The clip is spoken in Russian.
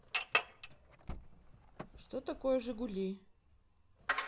что такое жигули